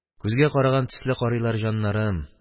Күзгә караган төсле карыйлар җаннарым.